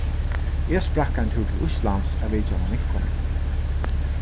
eg sprakk ein túr til íslands at vitja eina vinkonu